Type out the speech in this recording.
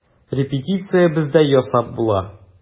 Репетиция бездә ясап була.